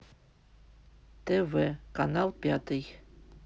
тв канал пятый